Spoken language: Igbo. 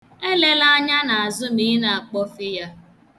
Elela anya n'azụ ma ị na-akpọfe ya.